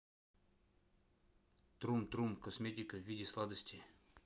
трум трум косметика в виде сладостей